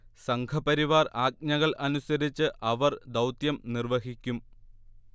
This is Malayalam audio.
സംഘപരിവാർ ആജ്ഞകൾ അനുസരിച്ച് അവർ ദൗത്യം നിർവ്വഹിക്കും